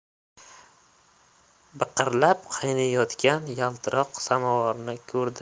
biqirlab qaynayotgan yaltiroq somovarni ko'rdi